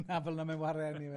Na, fel 'na ma'n ware eniwe.